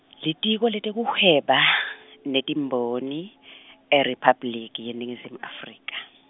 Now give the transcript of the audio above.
Litiko leTekuhweba, netiMboni , IRiphabliki yeNingizimu Afrika.